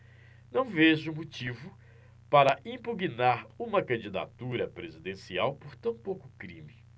não vejo motivo para impugnar uma candidatura presidencial por tão pouco crime